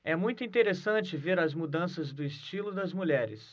é muito interessante ver as mudanças do estilo das mulheres